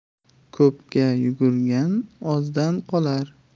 ko'pga yugurgan ozdan qolar